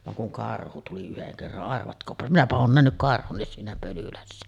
vaan kun karhu tuli yhden kerran arvatkaapa minäpä olen nähnyt siinä Pölylässä